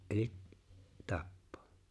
eli tappaa